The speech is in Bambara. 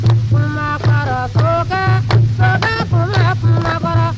kumakɔrɔ sokɛ sokɛ kun bɛ kumakɔrɔ